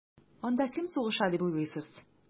Анда кем сугыша дип уйлыйсыз?